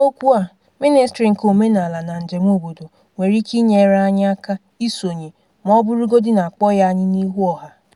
N'okwu a, Minịstrị nke Omenanala na Njem obodo nwere ike inyere anyị aka isonye, ​​ma ọ bụrụgodị na a kpọghị anyị n'ihu ọha.